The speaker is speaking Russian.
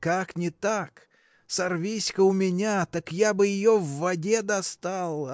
Как не так: сорвись-ка у меня, так я бы ее в воде достал